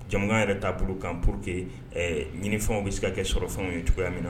Jamakan yɛrɛ' pp kan pour que mini fɛnw bɛ se ka kɛ sɔrɔ fɛnw ye cogoya min na